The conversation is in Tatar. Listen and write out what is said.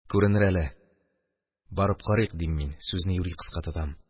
Күренер әле, барып карыйк, – дим мин, сүзне юри кыска тотам